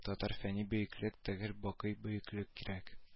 Татарга фани бөеклек түгел бакый бөеклек кирәк